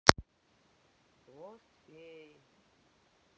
хвост феи